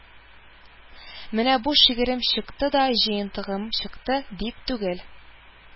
Менә бу шигырем чыкты да, җыентыгым чыкты, дип түгел